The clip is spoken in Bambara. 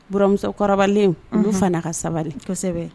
Bmuso kɔrɔlen fana ka sabali kosɛbɛ